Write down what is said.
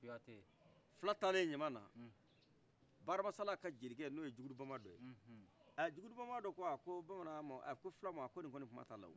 fila taa le ɲamana bakari hama sala ka jelikɛ n'o ye jugudu banbadɔ ɛ jugudu banbadɔ ko bamanan ma ko filama ko ni kɔni kuma tala